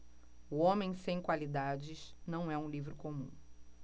o homem sem qualidades não é um livro comum